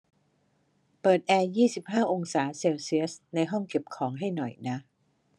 เปิดแอร์ยี่สิบห้าองศาเซลเซียสในห้องเก็บของให้หน่อยนะ